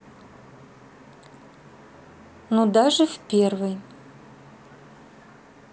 ну даже в первой